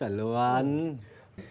chuẩn luôn